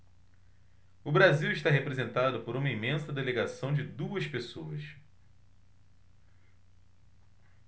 o brasil está representado por uma imensa delegação de duas pessoas